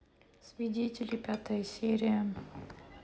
свидетели пятая серия